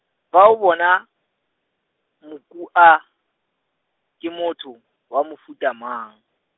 fa o bona, Mokua, ke motho, wa mofuta mang?